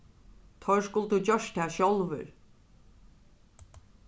teir skuldu gjørt tað sjálvir